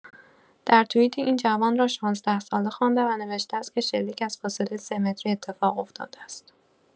در توییتی این جوان را ۱۶ ساله خوانده و نوشته است که شلیک از «فاصله سه‌متری» اتفاق افتاده است.